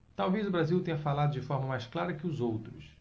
talvez o brasil tenha falado de forma mais clara que os outros